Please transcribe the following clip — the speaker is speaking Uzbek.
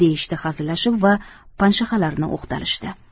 deyishdi hazillashib va panshaxalarini o'qtalishdi